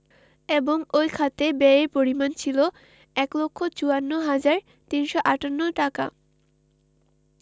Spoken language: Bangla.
এবং ওই খাতে ব্যয়ের পরিমাণ ছিল ১ লক্ষ ৫৪ হাজার ৩৫৮ টাকা